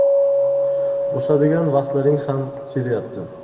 o'sadigan vaqtlaring ham kelyapti